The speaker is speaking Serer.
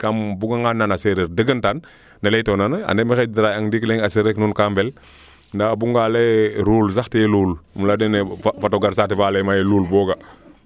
mi buganga nana sereer deugantaan ne leyta noona ande maxey daraye xang ndiiki leyange a sereer ake nuun kaa mbel nda o buga nga leye ruul sax te luul im leya dene fato gar saate fa ley ma luul bo ga